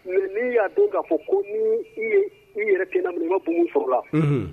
Mais n'i y'a don k'a fɔ ko n'i ye i yɛrɛ kɛ